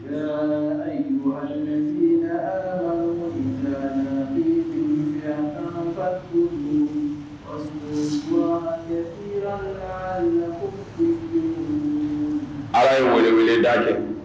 Saba wa kun ala ye wele wele da ye